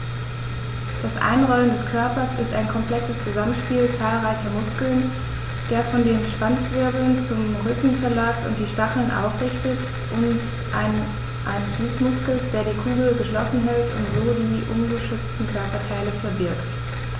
Das Einrollen des Körpers ist ein komplexes Zusammenspiel zahlreicher Muskeln, der von den Schwanzwirbeln zum Rücken verläuft und die Stacheln aufrichtet, und eines Schließmuskels, der die Kugel geschlossen hält und so die ungeschützten Körperteile verbirgt.